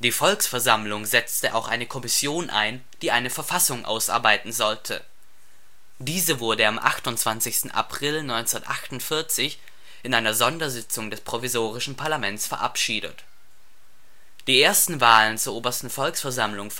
Volksversammlung setzte auch eine Kommission ein, die eine Verfassung ausarbeiten sollte. Diese wurde am 28. April 1948 in einer Sondersitzung des provisorischen Parlaments verabschiedet. Die ersten Wahlen zur Obersten Volksversammlung